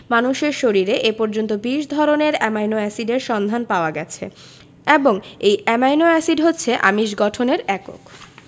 মানুষের শরীরে এ পর্যন্ত ২০ ধরনের অ্যামাইনো এসিডের সন্ধান পাওয়া গেছে এবং এই অ্যামাইনো এসিড হচ্ছে আমিষ গঠনের একক